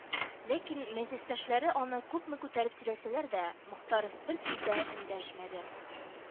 Ләкин мәҗлестәшләре аны күпме күтәреп сөйләсәләр дә, Мохтаров бер сүз дә эндәшмәде